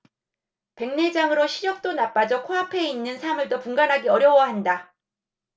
백내장으로 시력도 나빠져 코 앞에 있는 사물도 분간하기 어려워한다